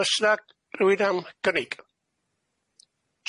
Oes 'na rywun am gynnig?